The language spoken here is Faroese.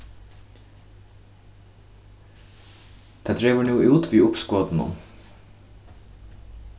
tað dregur nú út við uppskotinum